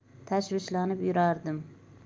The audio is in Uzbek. tashvishlanib yurardim